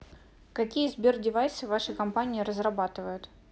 какие сбердевайсы в вашей компании разрабатывают